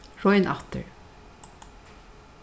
royn aftur